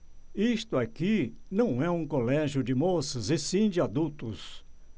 isto aqui não é um colégio de moças e sim de adultos